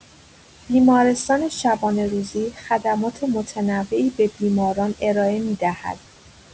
بیمارستان شبانه‌روزی خدمات متنوعی به بیماران ارائه می‌دهد.